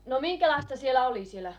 no minkälaista siellä oli siellä